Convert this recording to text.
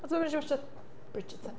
A ti'n gwbod be wnes i watsiad? Bridgerton.